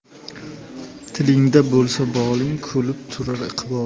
tilingda bo'lsa boling kulib turar iqboling